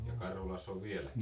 ja Karhulassa on vieläkin